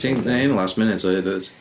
Ti'n gwneud rhein last minute o hyd dwyt?